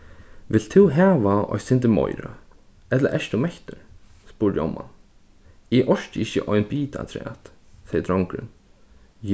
vilt tú hava eitt sindur meira ella ert tú mettur spurdi omman eg orki ikki ein bita afturat segði drongurin